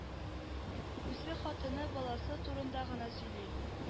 Үзе хатыны баласы турында гына сөйли